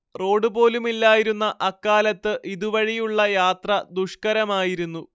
road പോലുമില്ലായിരുന്ന അക്കാലത്ത് ഇതുവഴിയുള്ള യാത്ര ദുഷ്കരമായിരുന്നു